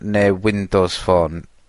neu Windows Phone.